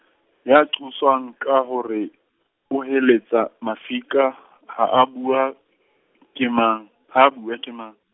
ya qoswang ka hore, o hweletsa mafika ha bua , ke mang, ha a bua ke mang?